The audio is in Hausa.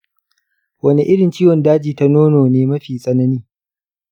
wane irin ciwon daji ta nono ne mafi tsanani?